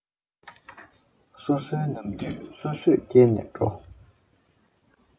སོ སོའི ནམ དུས སོ སོས བསྐྱལ ནས འགྲོ